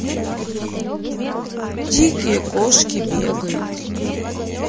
дикие кошки бегают